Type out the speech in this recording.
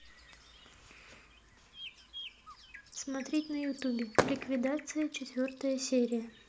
смотреть на ютубе ликвидация четвертая серия